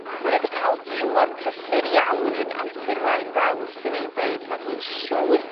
Ma' n'w 'di ca'l tymor prysur iawn yn antur Waun Fawr san i'n deud a dwi'n siŵr